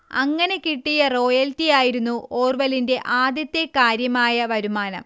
അങ്ങനെ കിട്ടിയ റോയൽറ്റി ആയിരുന്നു ഓർവെലിന്റെ ആദ്യത്തെ കാര്യമായ വരുമാനം